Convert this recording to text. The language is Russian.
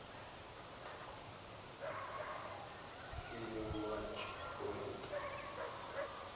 фильм матч пойнт